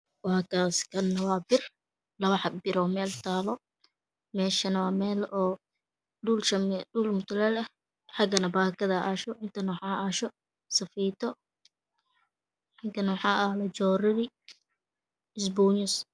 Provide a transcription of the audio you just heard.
Wxani wa bir wana labo biro mel talo meshana wa mel dhul mutu lel eh inta bakad aa tasho intana safito intana waxa yalo jodari iyo is bon yus